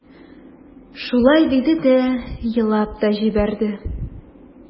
Шулай диде дә елап та җибәрде.